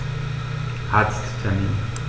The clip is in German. Arzttermin